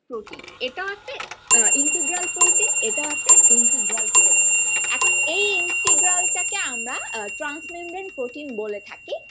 protein এটাও একটা integral protein এটা ও একটা ইন্টিগ্রাল প্রোটিন এখনই ইন্টিগ্রাল টাকে আমরা ট্রান্স মেমব্রেন প্রোটিন বলে থাকি